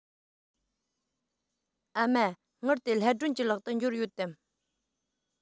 ཨ མ དངུལ དེ ལྷ སྒྲོན གྱི ལག ཏུ འབྱོར ཡོད དམ